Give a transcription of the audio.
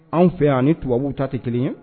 Anw fɛ yan ni tubabubuw ta tɛ kelen ye